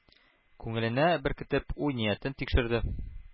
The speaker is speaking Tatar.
Күңеленә беркеткән уй-ниятен тикшерде.